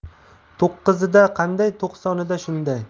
to'qqizida qanday to'qsonida shunday